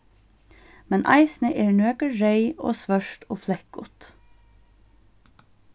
men eisini eru nøkur reyð og svørt og flekkut